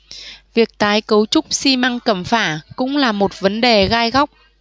việc tái cấu trúc xi măng cẩm phả cũng là một vấn đề gai góc